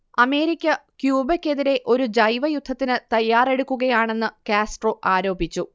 America ക്യൂബക്കെതിരേ ഒരു ജൈവയുദ്ധത്തിനു തയ്യാറെടുക്കുകയാണെന്ന് കാസ്ട്രോ ആരോപിച്ചു